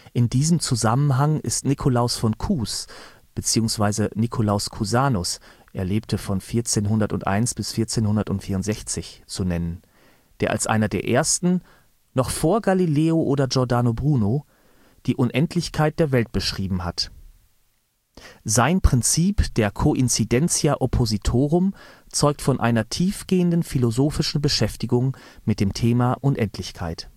In diesem Zusammenhang ist Nikolaus von Kues (Nikolaus Cusanus) (1401 – 1464) zu nennen, der als einer der ersten, noch vor Galilei oder Giordano Bruno, die Unendlichkeit der Welt beschrieben hat. Sein Prinzip der coincidentia oppositorum zeugt von einer tiefgehenden philosophischen Beschäftigung mit dem Thema Unendlichkeit